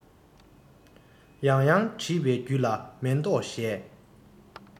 ཡང ཡང འདྲིས པས རྒྱུད ལ མེ ཏོག བཞད